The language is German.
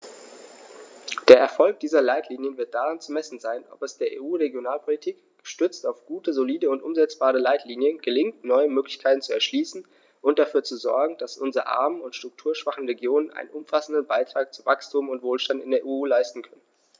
Der Erfolg dieser Leitlinien wird daran zu messen sein, ob es der EU-Regionalpolitik, gestützt auf gute, solide und umsetzbare Leitlinien, gelingt, neue Möglichkeiten zu erschließen und dafür zu sorgen, dass unsere armen und strukturschwachen Regionen einen umfassenden Beitrag zu Wachstum und Wohlstand in der EU leisten können.